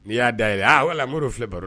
Ni y'a da ye a wa wala la mori filɛ baro la